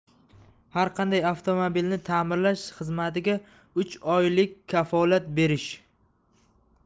har qanday avtomobilni ta'mirlash xizmatiga uch oylik kafolat berish